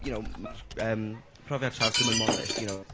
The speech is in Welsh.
you know yym, ma'r profiad traws ddim yn monolith, you know?